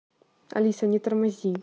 алиса не тормози